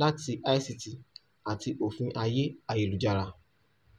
láti ICT àti òfin ayé ayélujára.